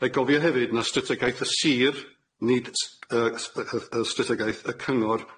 Rhaid gofio hefyd na' strategaeth y sir nid s- yy s- yy y strategaeth y cyngor.